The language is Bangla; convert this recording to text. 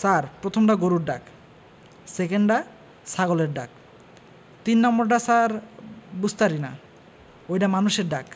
ছার প্রথমডা গরুর ডাক সেকেন ডা ছাগলের ডাক তিন নাম্বারডা ছার বুঝতারিনা ওইডা মানুষের ডাক